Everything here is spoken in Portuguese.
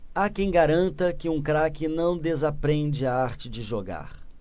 há quem garanta que um craque não desaprende a arte de jogar